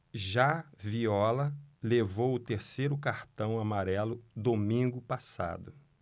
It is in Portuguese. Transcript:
já viola levou o terceiro cartão amarelo domingo passado